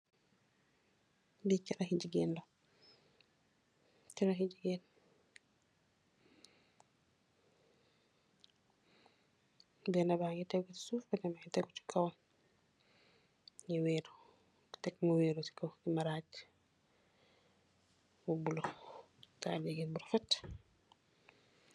Bii charah hee gegain lah. Charah hee gegain la. Bena banghe tegu si suff, behnen banghe tegu si kawam. Nyu weru , tek nyu weru si marach. Bu blue, dalii gegain Bu Rafet.